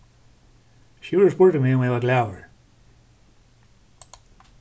sjúrður spurdi meg um eg var glaður